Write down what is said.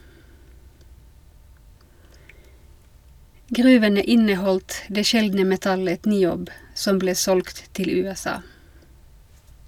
Gruvene inneholdt det sjeldne metallet niob , som ble solgt til USA.